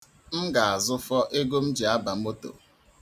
M ga-azụfọ ego m ji aba moto.